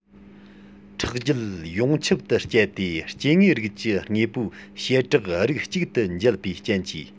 ཁྲག རྒྱུད ཡོངས ཁྱབ ཏུ སྤྱད དེ སྐྱེ དངོས རིགས ཀྱི དངོས པོའི བྱེད བྲག རིགས གཅིག ཏུ འབྱེད པའི རྐྱེན གྱིས